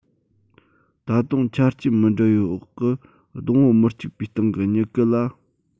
ད དུང ཆ རྐྱེན མི འདྲ བའི འོག གི སྡོང བོ མི གཅིག པའི སྟེང གི མྱུ གུ ལ